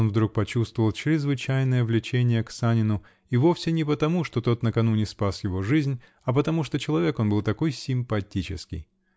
он вдруг почувствовал чрезвычайное влечение к Санину -- и вовсе не потому, что тот накануне спас его жизнь, а потому, что человек он был такой симпатический!